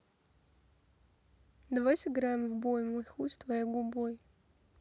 давай сыграем в бой мой хуй с твоей губой